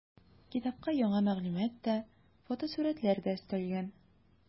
Китапка яңа мәгълүмат та, фотосурәтләр дә өстәлгән.